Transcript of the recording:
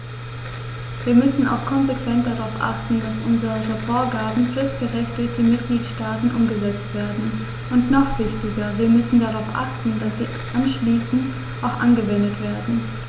Wir müssen auch konsequent darauf achten, dass unsere Vorgaben fristgerecht durch die Mitgliedstaaten umgesetzt werden, und noch wichtiger, wir müssen darauf achten, dass sie anschließend auch angewendet werden.